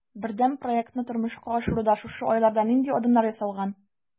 Бердәм проектны тормышка ашыруда шушы айларда нинди адымнар ясалган?